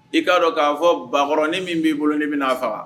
I k'a dɔn k'a fɔ bakɔrɔnin min b'i bolo' bɛna'a faga wa